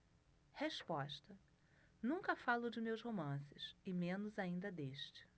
resposta nunca falo de meus romances e menos ainda deste